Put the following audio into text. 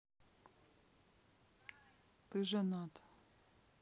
ты женат